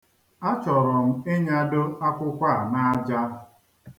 Achọrọ m ịnyado akwụkwọ a n'aja.